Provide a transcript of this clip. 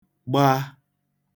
gbaa